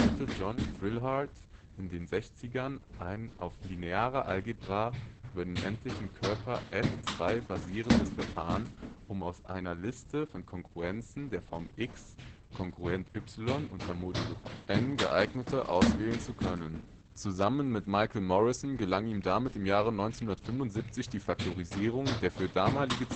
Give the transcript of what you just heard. John Brillhart in den Sechzigern ein auf linearer Algebra über dem endlichen Körper F2 basierendes Verfahren, um aus einer Liste von Kongruenzen der Form x2 ≡ y (mod n) geeignete auswählen zu können. Zusammen mit Michael Morrison gelang ihm damit im Jahre 1975 die Faktorisierung der für damalige